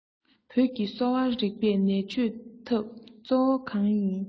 བོད ཀྱི གསོ བ རིགས པས ནད བཅོས ཐབས གཙོ བོ གང ལ བརྟེན